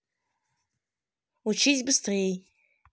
учись быстрей